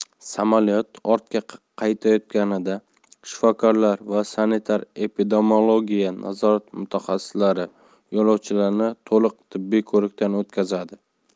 samolyot ortga qaytayotganida shifokorlar va sanitar epidemiologiya nazorati mutaxassislari yo'lovchilarni to'liq tibbiy ko'rikdan o'tkazadi